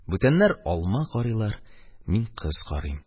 Бүтәннәр алма карыйлар, мин кыз карыйм.